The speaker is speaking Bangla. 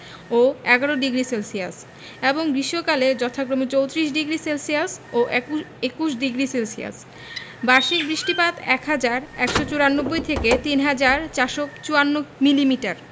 ও ১১ডিগ্রি সেলসিয়াস এবং গ্রীষ্মকালে যথাক্রমে ৩৪ডিগ্রি সেলসিয়াস ও ২১ডিগ্রি সেলসিয়াস বার্ষিক বৃষ্টিপাত ১হাজার ১৯৪ থেকে ৩হাজার ৪৫৪ মিলিমিটার